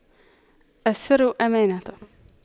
السر أمانة